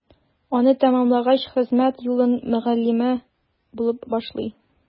Аны тәмамлагач, хезмәт юлын мөгаллимә булып башлый.